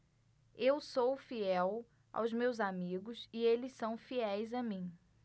eu sou fiel aos meus amigos e eles são fiéis a mim